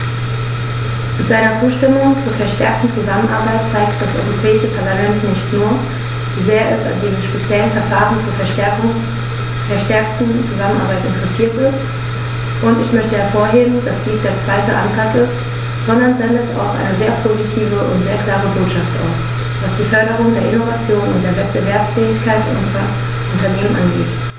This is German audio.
Mit seiner Zustimmung zur verstärkten Zusammenarbeit zeigt das Europäische Parlament nicht nur, wie sehr es an diesem speziellen Verfahren zur verstärkten Zusammenarbeit interessiert ist - und ich möchte hervorheben, dass dies der zweite Antrag ist -, sondern sendet auch eine sehr positive und sehr klare Botschaft aus, was die Förderung der Innovation und der Wettbewerbsfähigkeit unserer Unternehmen angeht.